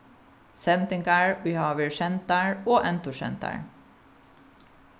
sendingar ið hava verið sendar og endursendar